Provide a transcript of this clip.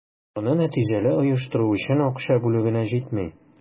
Аны нәтиҗәле оештыру өчен акча бүлү генә җитми.